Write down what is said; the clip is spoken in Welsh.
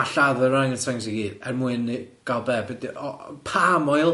a lladd yr orangutans i gyd er mwyn i- ga'l be- be- di- o- palm oil!